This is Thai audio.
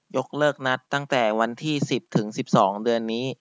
ยกเลิกนัดตั้งแต่วันที่สิบถึงสิบสองเดือนนี้